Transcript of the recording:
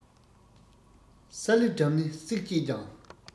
ས ལེ སྦྲམ ནི བསྲེགས བཅད ཀྱང